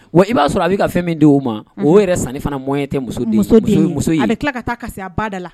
Wa i b'a sɔrɔ a bɛ ka fɛn min di o ma o yɛrɛ sanni fana mɔn tɛ muso muso ale tila ka taa kasi a bada la